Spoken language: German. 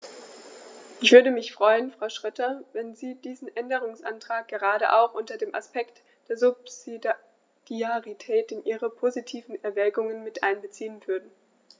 Ich würde mich freuen, Frau Schroedter, wenn Sie diesen Änderungsantrag gerade auch unter dem Aspekt der Subsidiarität in Ihre positiven Erwägungen mit einbeziehen würden.